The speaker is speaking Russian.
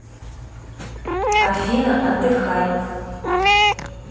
афина отдыхай